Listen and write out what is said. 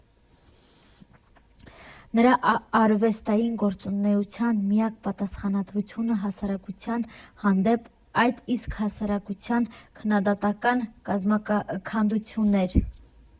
Նրա արվեստային գործունեության միակ պատասխանատվությունը հասարակության հանդեպ, այդ իսկ հասարակության քննադատական կազմաքանդումն էր։